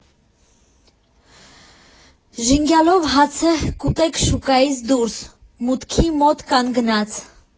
Ժենգյալով հացը կուտեք շուկայից դուրս, մուտքի մոտ կանգնած։